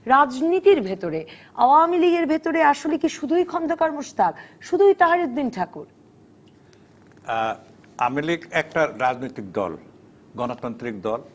রাজনীতির ভেতরে আওয়ামী লীগের ভেতরে আসলে কি শুধুই খন্দকার মোশতাক শুধুই তাহেরউদ্দিন ঠাকুর আওয়ামী লীগ একটা রাজনৈতিক দল গণতান্ত্রিক দল